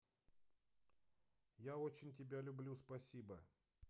я очень тебя люблю спасибо